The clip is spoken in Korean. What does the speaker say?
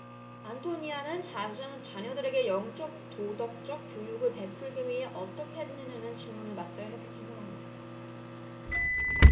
안토니아는 자녀들에게 영적 도덕적 교육을 베풀기 위해 어떻게 했느냐는 질문을 받자 이렇게 설명합니다